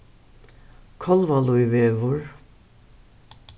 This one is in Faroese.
kálvalíðvegur